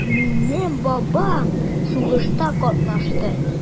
Минем бабам сугышта катнашты.